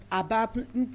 A bapun